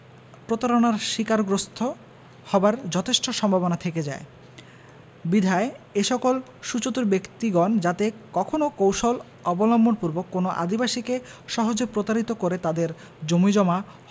প্রতারণার শিকারগ্রস্ত হবার যথেষ্ট সম্ভাবনা থেকে যায় বিধায় এসকল সুচতুর ব্যক্তিগণ যাতে কখনো কৌশল অবলম্বনপূর্বক কোনও আদিবাসীকে সহজে প্রতারিত করে তাদের জমিজমা